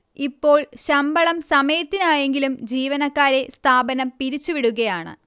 ഇപ്പോൾ ശമ്പളം സമയത്തിനായെങ്കിലും ജീവനക്കാരെ സ്ഥാപനം പിരിച്ചുവിടുകയാണ്